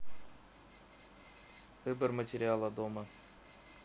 выбор материала дома